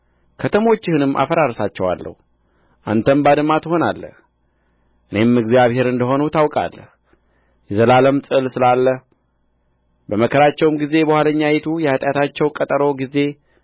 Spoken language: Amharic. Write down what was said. ከተሞችህንም አፈራርሳቸዋለሁ አንተም ባድማ ትሆናለህ እኔም እግዚአብሔር እንደ ሆንሁ ታውቃለህ የዘላለም ጥል ስላለህ በመከራቸውም ጊዜ በኋለኛይቱ የኃጢአታቸው ቀጠሮ ጊዜ